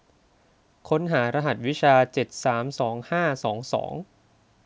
ค้นหารหัสวิชาห้าเจ็ดสามสองห้าสองสอง